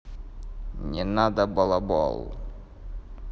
не надо балабол